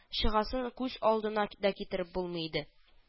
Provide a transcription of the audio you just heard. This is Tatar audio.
Чыгасын күз алдына да китереп булмый иде